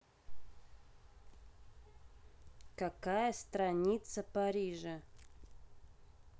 какая страница парижа